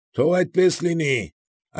Թող այդպես լինի։